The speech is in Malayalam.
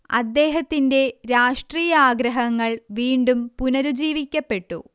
അദ്ദേഹത്തിന്റെ രാഷ്ട്രീയാഗ്രഹങ്ങൾ വീണ്ടും പുനരുജ്ജീവിക്കപ്പെട്ടു